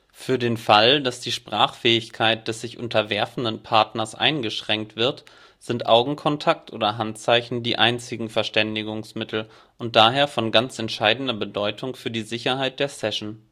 Für den Fall, dass die Sprachfähigkeit des sich unterwerfenden Partners eingeschränkt wird, sind Augenkontakt oder Handzeichen die einzigen Verständigungsmittel und daher von ganz entscheidender Bedeutung für die Sicherheit der Session